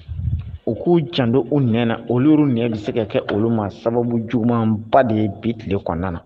U k' uu janto u nana olu ɲɛ bɛ se ka kɛ olu ma sababu j ba de ye bi tile kɔnɔna na